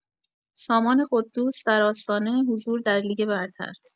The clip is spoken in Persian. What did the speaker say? سامان قدوس در آستانه حضور در لیگ برتر